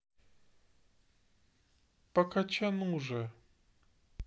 по кочану же